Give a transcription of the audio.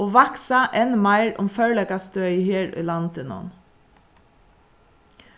og vaksa enn meir um førleikastøðið her í landinum